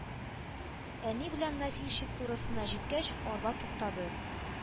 Әни белән носильщик турысына җиткәч, арба туктады.